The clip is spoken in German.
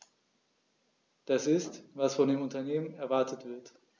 Das ist, was von den Unternehmen erwartet wird.